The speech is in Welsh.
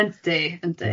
Yndi yndi.